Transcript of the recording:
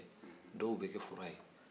dɔw bɛ kɛ fura ye